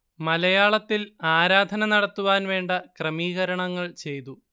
മലയാളത്തിൽ ആരാധന നടത്തുവാൻ വേണ്ട ക്രമീകരണങ്ങൾ ചെയ്തു